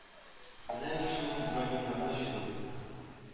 Менә мин шул гидронимнарны җыйдым